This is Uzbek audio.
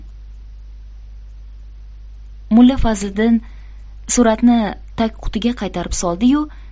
mulla fazliddin suratni tagqutiga qaytarib soldi yu